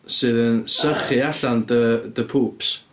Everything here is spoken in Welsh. Sydd yn sychu allan dy dy poops.